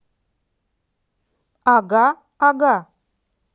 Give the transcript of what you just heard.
ага ага